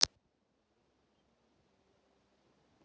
валера смешные истории